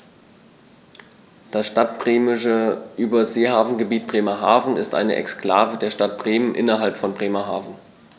Das Stadtbremische Überseehafengebiet Bremerhaven ist eine Exklave der Stadt Bremen innerhalb von Bremerhaven.